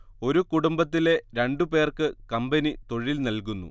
ഒരു കുടുംബത്തിലെ രണ്ട് പേർക്ക് കമ്പനി തൊഴിൽ നൽകുന്നു